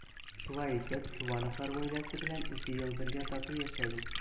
Шулай итеп Чувановлар гаиләсе белән ике ел бергә тату яшәдек.